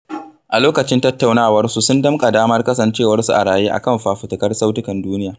A lokacin tattaunawarsu, sun damƙa damar kasancewarsu a raye a kan fafutukar Sautukan Duniya.